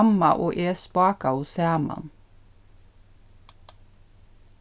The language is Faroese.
mamma og eg spákaðu saman